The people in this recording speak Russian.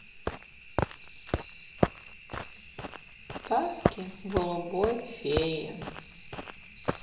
сказки голубой феи